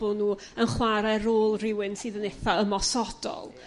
bo' nhw yn chwar'e rôl rywun sydd yn 'itha' ymosodol